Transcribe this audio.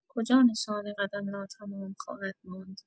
کجا نشان قدم ناتمام خواهد ماند؟